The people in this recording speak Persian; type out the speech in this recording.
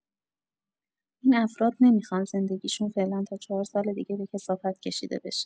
این افراد نمیخوان زندگیشون فعلا تا چهار سال دیگه به کثافت کشیده بشه.